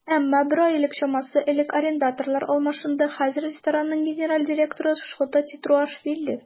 Әмма бер ай чамасы элек арендаторлар алмашынды, хәзер ресторанның генераль директоры Шота Тетруашвили.